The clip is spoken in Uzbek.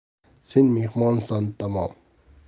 sen mehmonsan tamom